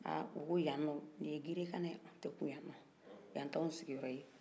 a u ko yann yan ye gere kana ye dɛ an tɛ kun ya yan t'an sigin yɔrɔ ye